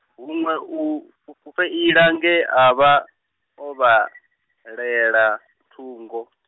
huṅwe u, u fu- feila nge a vha , o vhalela thungo.